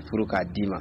Furu k'a d'i ma